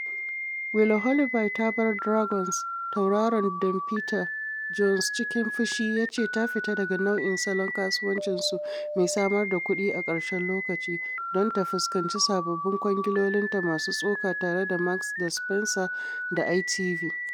Holly Willoughby ta bar Dragons" tauraron Den Peter Jones cikin fushi ya ce ta fita daga nau’in salon kasuwancinsu mai samar da kuɗi a ƙarshen Lokaci- don ta fuskanci sababbin kwangilolinta masu tsoka tare da Marks & Spencer da ITV